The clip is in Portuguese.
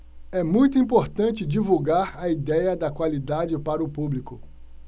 é muito importante divulgar a idéia da qualidade para o público